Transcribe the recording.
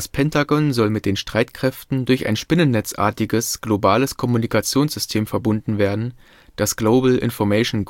Pentagon soll mit den Streitkräften durch ein spinnennetzartiges globales Kommunikationssystem verbunden werden, das Global Information